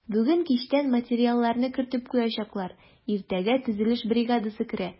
Бүген кичтән материаллар кертеп куячаклар, иртәгә төзелеш бригадасы керә.